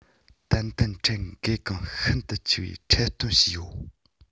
ཏན ཏན འཁྲབ གལ འགངས ཤིན ཏུ ཆེ བའི འཁྲབ སྟོན བྱས ཡོད